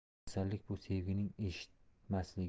kasallik bu sevgining etishmasligi